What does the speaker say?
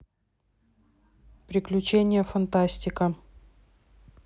приключения фантастика